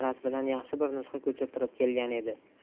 rasmidan yaxshi bir nusxa ko'chirtirib kelgan edi